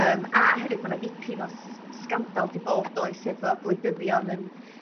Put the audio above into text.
Yym a hefyd ma' 'na dipyn o s- sgandal 'di bod does hefo gwleidyddion yn